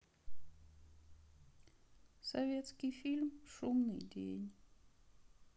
советский фильм шумный день